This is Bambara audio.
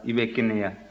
i bɛ kɛnɛya